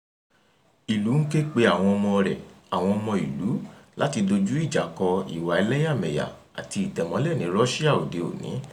Ìlú ń ké pe àwọn ọmọ rẹ̀ (àwọn ọmọ ìlú) láti dojú ìjà kọ ìwà elẹ́yàmẹyà àti ìtẹ̀mọ́lẹ̀ ní Russia òde-òní.